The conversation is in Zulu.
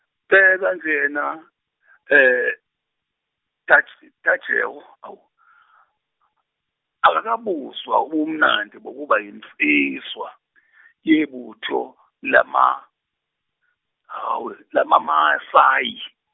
bheka nje yena Taj Tajewo hawu, akakabuzwa ubumnandi bokuba yinsizwa, yebutho lama hawu lamaMasayi.